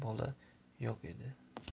bola yo'q edi